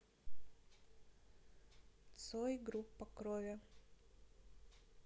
цой группа крови